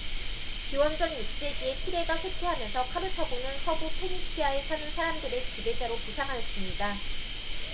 기원전 육 세기에 티레가 쇠퇴하면서 카르타고는 서부 페니키아에 사는 사람들의 지배자로 부상하였습니다